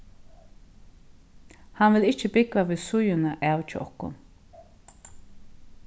hann vil ikki búgva við síðuna av hjá okkum